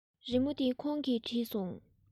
རི མོ འདི ཁོང གིས བྲིས སོང